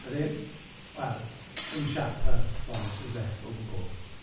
Ydyn. Wel, ddim siâp ar Boris, oes e, o gwbl.